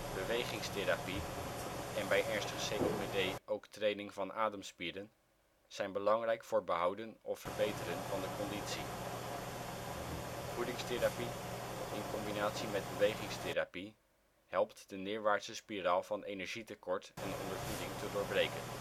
Bewegingstherapie, en bij ernstig COPD ook training van ademspieren, zijn belangrijk voor behouden of verbeteren van de conditie. Voedingstherapie, in combinatie met bewegingstherapie, helpt de neerwaartse spiraal van energietekort en ondervoeding te doorbreken